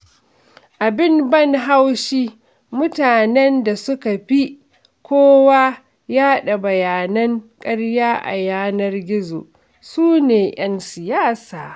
Abin ban haushi, mutanen da suka fi kowa yaɗa bayanan ƙarya a yanar gizo su ne 'yan siyasa.